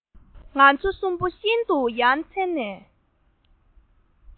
ང ཚོ གསུམ པོ ཤིན ཏུ ཡ མཚན ནས